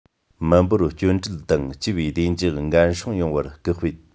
མི འབོར སྐྱོན བྲལ དང སྤྱི པའི བདེ འཇགས འགན སྲུང ཡོང བར སྐུལ སྤེལ